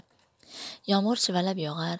yomg'ir shivalab yog'ar